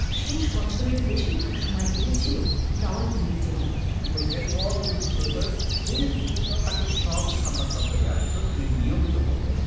শেষ বছরের বেশিরভাগ সময় কেটেছিল রাওয়ালপিন্ডি জেলে he was getting all the newspapers he used to তাকে সব সংবাদপত্র দেয়া হতো তিনি নিয়মিত পড়তেন